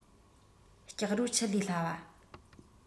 སྐྱག རོ ཆུ ལས སླ བ